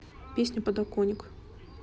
песня подоконник